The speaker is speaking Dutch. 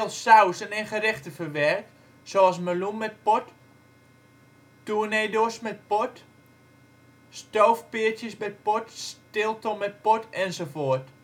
sausen en gerechten verwerkt, zoals meloen met port, tournedos met port, stoofpeertjes in port, stilton met port enzovoort